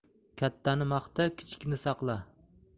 kattani maqta kichikni saqla